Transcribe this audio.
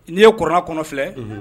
N'i ye kɔrɔna kɔnɔ filɛ, unhun.